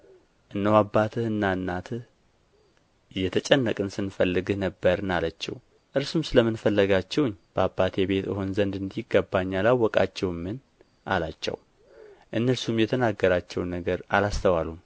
እነሆ አባትህና እኔ እየተጨነቅን ስንፈልግህ ነበርን አለችው እርሱም ስለ ምን ፈለጋችሁኝ በአባቴ ቤት እሆን ዘንድ እንዲገባኝ አላወቃችሁምን አላቸው እነርሱም የተናገራቸውን ነገር አላስተዋሉም